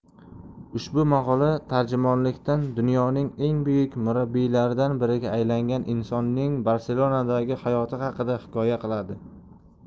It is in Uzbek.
ushbu maqola tarjimonlikdan dunyoning eng buyuk murabbiylaridan biriga aylangan insonning barselonadagi hayoti haqida hikoya qiladi